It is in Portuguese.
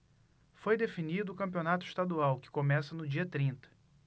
foi definido o campeonato estadual que começa no dia trinta